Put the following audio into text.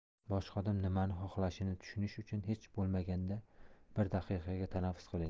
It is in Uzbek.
boshqa odam nimani xohlashini tushunish uchun hech bo'lmaganda bir daqiqaga tanaffus qiling